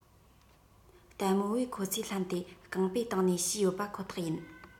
ལྟད མོ བས ཁོ ཚོས ལྷམ དེ རྐང བའི སྟེང ནས བཤུས ཡོད པ ཁོ ཐག ཡིན